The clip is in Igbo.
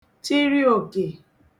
chịrị òkè